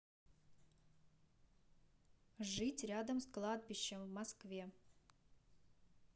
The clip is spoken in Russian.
жить рядом с кладбищем в москве